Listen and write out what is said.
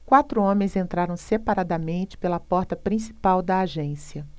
quatro homens entraram separadamente pela porta principal da agência